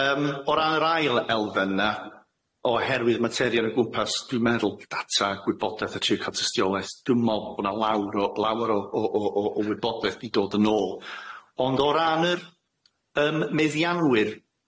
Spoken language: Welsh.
Yym o ran yr ail elfen na oherwydd materion o gwmpas dwi'n meddwl data gwybodaeth a trio ca'l tystiolaeth dwi'm me'wl bo' na lawr o lawer o o o o o wybodaeth di dod yn ôl ond o ran yr yym meddiannwyr